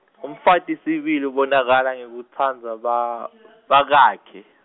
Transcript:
umfati sibili ubonakala ngekutsandza ba- bakakhe.